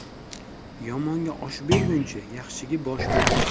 yomonga osh berguncha yaxshiga bosh ber